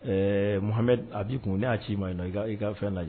Ɛɛ Mohamed a b'i kun ne y'a ci ma yen nɔn i ka fɛn lajɛ